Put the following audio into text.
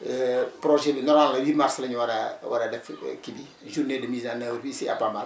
projet bi normalement le 8 mars la ñu war a war a def kii bi journée de mise en oeuvre bi fii si à Pambal